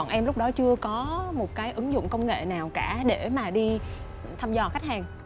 bọn em lúc đó chưa có một cái ứng dụng công nghệ nào cả để mà đi thăm dò khách hàng